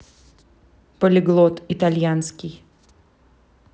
полиглот итальянский